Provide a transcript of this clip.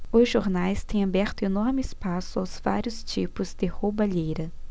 os jornais têm aberto enorme espaço aos vários tipos de roubalheira